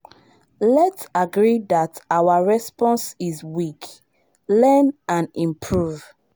Lets agree that our respone is weak, learn and improve.